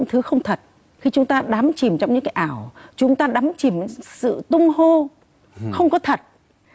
thứ không thật khi chúng ta đắm chìm trong những ảo chúng ta đắm chìm sự tung hô không có thật